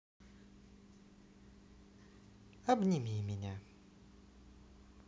обними меня